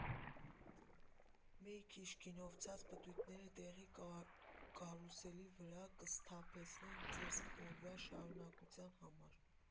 Մի քիչ գինովցած պտույտները տեղի կարուսելների վրա կսթափեցնեն ձեզ օրվա շարունակության համար։